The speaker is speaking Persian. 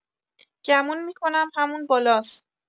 گمون می‌کنم همون بالاس.